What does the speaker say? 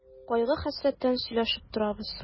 Кайгы-хәсрәттән сөйләшеп торабыз.